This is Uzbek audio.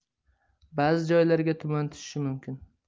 ba'zi joylarga tuman tushishi mumkin